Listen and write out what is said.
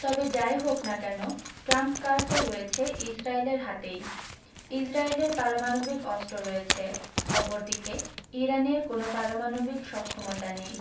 তবে যা ই হোক না কেন ট্রাম্প কার্ডটা রয়েছে ইসরায়েলের হাতেই ইসরায়েলের পারমাণবিক অস্ত্র রয়েছে অপরদিকে ইরানের কোনো পারমাণবিক সক্ষমতা নেই